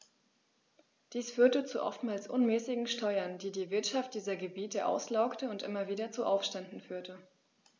Dies führte zu oftmals unmäßigen Steuern, die die Wirtschaft dieser Gebiete auslaugte und immer wieder zu Aufständen führte.